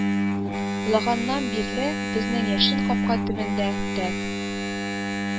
Лаганнан бирле, безнең «яшен» капка төбендә «тәф